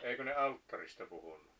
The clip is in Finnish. eikö ne alttarista puhunut